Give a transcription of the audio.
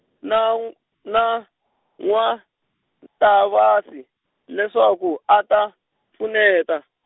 na nw-, na N'wa-Ntavasi, leswaku, a ta, pfuneta.